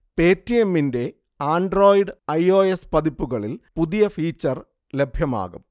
പേറ്റിയമ്മിന്റെ Android I. O. S പതിപ്പുകളിൽ പുതിയ feature ലഭ്യമാകും